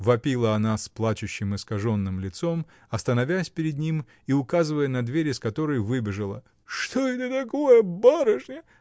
— вопила она с плачущим, искаженным лицом, остановясь перед ним и указывая на дверь, из которой выбежала. — Что это такое, барышня!